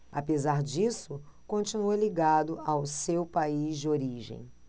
apesar disso continua ligado ao seu país de origem